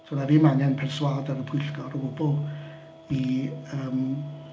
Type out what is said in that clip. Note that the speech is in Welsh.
Doedd 'na ddim angen perswad ar y pwyllgor o gwbl i yym...